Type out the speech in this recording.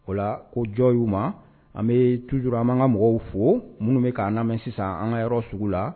O la ko jɔn y 'u ma an bɛ toujours an bɛ an ka mɔgɔw fo minnu bɛ k'an lamɛn sisan, an ka yɔrɔ sugu la.